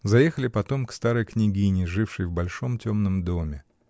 Заехали потом к старой княгине, жившей в большом темном доме.